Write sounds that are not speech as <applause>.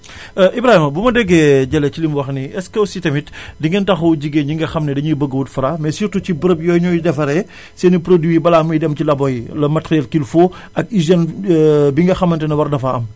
<inhales> <hesitation> Ibrahima bu ma déggee Jalle ci li mu wax nii est ce que aussi tamit <inhales> di ngeen taxawu jigéen ñi nga xam ne dañuy bëgg wut Fra mais surtout si béréb yooyu ñuy defaree seen i produit yi balaa muy dem ci labo yi le matériel qu' il faut b ak hygène <hesitation> bi nga xamante ne war na faa am